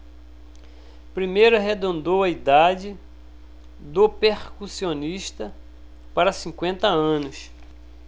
primeiro arredondou a idade do percussionista para cinquenta anos